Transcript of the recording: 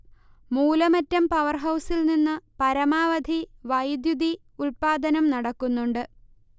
മൂലമറ്റം പവർഹൗസിൽ നിന്നു പരമാവധി വൈദ്യുതി ഉൽപാദനം നടക്കുന്നുണ്ട്